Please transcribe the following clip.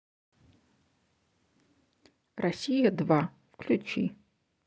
россия два включи